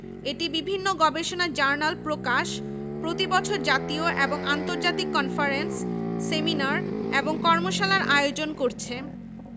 এটি বিভিন্ন গবেষণা জার্নাল প্রকাশ প্রতি বছর জাতীয় এবং আন্তর্জাতিক কনফারেন্স সেমিনার এবং কর্মশালার আয়োজন করছে